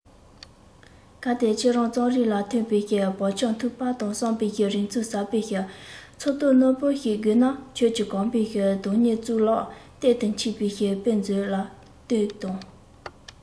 གལ ཏེ ཁྱོད རང རྩོམ རིག ལ ཐོས པའི བག ཆགས འཐུག པ དང བསམ པའི རིག ཚུལ ཟབ པའི ཚོར རྟོག རྣོན པོ ཞིག དགོས ན ཁྱོད ཀྱི གོམ པའི རྡོག སྣེ གཙུག ལག གཏེར དུ འཁྱིལ པའི དཔེ མཛོད ལ གཏོད དང